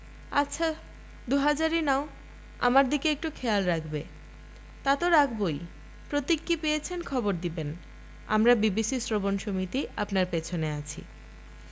আচ্ছা দু হাজারই নাও আমার দিকে একটু খেয়াল রাখবে তা তো রাখবোই প্রতীক কি পেয়েছেন খবর দিবেন আমরা বিবিসি শ্রবণ সমিতি আপনার পেছনে আছি